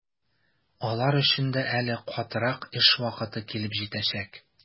Алар өчен дә әле катырак эш вакыты килеп җитәчәк.